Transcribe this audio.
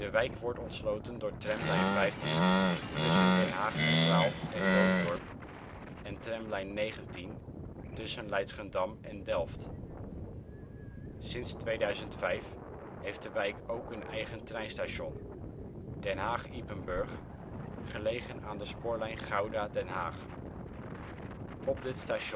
wijk wordt ontsloten door tramlijn 15 tussen Den Haag Centraal en Nootdorp en tramlijn 19 tussen Leidschendam en Delft. Sinds 2005 heeft de wijk ook een eigen treinstation: Den Haag Ypenburg, gelegen aan de spoorlijn Gouda - Den Haag. Op dit station stopt